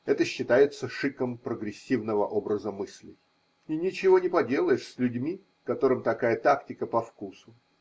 Это считается шиком прогрессивного образа мыслей, и ничего не поделаешь с людьми, которым такая тактика по вкусу.